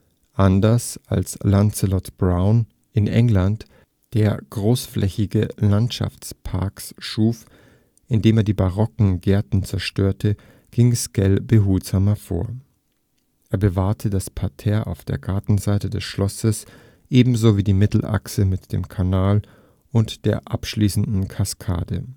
Anders als Lancelot Brown in England, der großflächige Landschaftsparks schuf, indem er die barocken Gärten zerstörte, ging Sckell behutsamer vor. Er bewahrte das Parterre auf der Gartenseite des Schlosses ebenso wie die Mittelachse mit dem Kanal und der abschließenden Kaskade